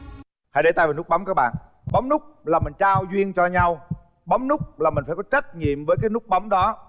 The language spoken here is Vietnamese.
hãy để tay vào nút bấm các bạn bấm nút là mình trao duyên cho nhau bấm nút là mình phải có trách nhiệm với cái nút bấm đó